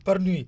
par nuit